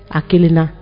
A kelen